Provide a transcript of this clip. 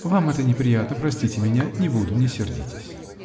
Вам это неприятно, простите меня, не буду, не сердитесь!